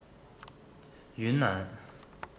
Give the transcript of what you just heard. ཡུན ནན